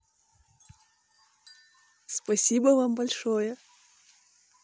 спасибо вам большое